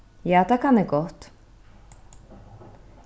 ja tað kann eg gott